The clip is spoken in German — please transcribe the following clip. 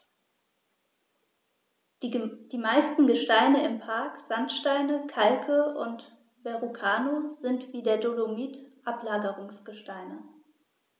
Die meisten Gesteine im Park – Sandsteine, Kalke und Verrucano – sind wie der Dolomit Ablagerungsgesteine.